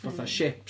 Fatha ships...